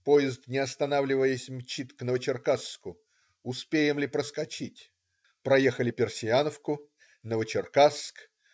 Поезд, не останавливаясь, мчит к Новочеркасску. Успеем ли проскочить? Проехали Персиановку. Новочеркасск.